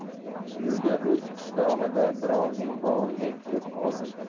yo'lda rus qishlog'ida birovning bog'iga kirib oldik